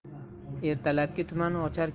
ertalabki tuman ochar